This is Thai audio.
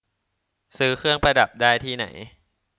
ซื้อเครื่องประดับได้ที่ไหน